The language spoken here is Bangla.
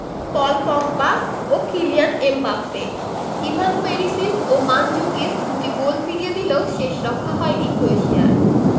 পল পগবা ও কিলিয়ান এমবাপ্পে ইভান পেরিসিচ ও মানজুকিচ দুটি গোল ফিরিয়ে দিলেও শেষরক্ষা হয়নি ক্রোয়েশিয়ার